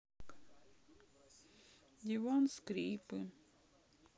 диван скрипы